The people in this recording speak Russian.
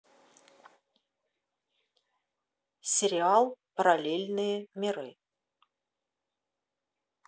сериал параллельные миры